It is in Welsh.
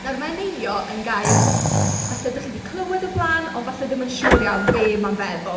Nawr ma' eneinio yn gair falle dach chi 'di clywed o'r blaen, ond falle ddim yn siŵr iawn be ma'n feddwl.